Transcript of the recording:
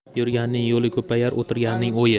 yurganning yo'li ko'payar o'tirganning o'yi